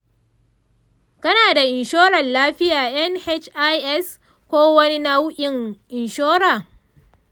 kana da inshorar lafiya (nhis) ko wani nau’in inshora?